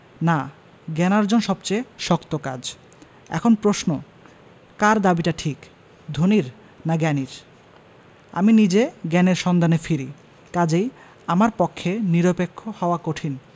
না জ্ঞানার্জন সবচেয়ে শক্ত কাজ এখন প্রশ্ন কার দাবিটা ঠিক ধনীর না জ্ঞানীর আমি নিজে জ্ঞানের সন্ধানে ফিরি কাজেই আমার পক্ষে নিরপেক্ষ হওয়া কঠিন